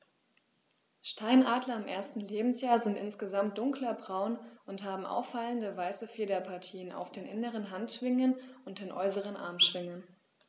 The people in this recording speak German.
Steinadler im ersten Lebensjahr sind insgesamt dunkler braun und haben auffallende, weiße Federpartien auf den inneren Handschwingen und den äußeren Armschwingen.